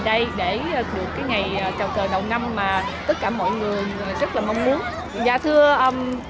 đây để được cái ngày chào cờ đầu năm mà tất cả mọi người rất là mong muốn dạ thưa